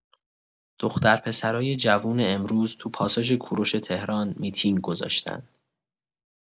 دخترپسرای جوون امروز تو پاساژ کوروش تهران میتینگ گذاشتن.